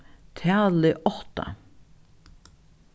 talið átta